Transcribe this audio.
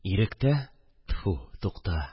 Иректә? Тфү! Тукта